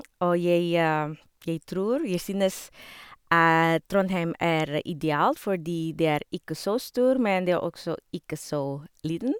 Og jeg jeg tror jeg synes Trondheim er ideal, fordi det er ikke så stor, men det er også ikke så liten.